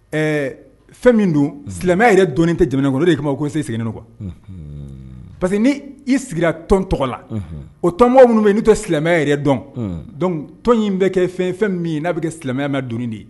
Ɛɛ fɛn min don silamɛ yɛrɛ doni tɛ jamanakolon ne de kama ko se segin kuwa parce que n ni i sigira tɔnon tɔgɔ la o tɔnonbaw minnu bɛ n'i tɛ silamɛya yɛrɛ dɔn tɔn in bɛ kɛ fɛn fɛn min ye n'a bɛ kɛ silamɛya bɛ don de ye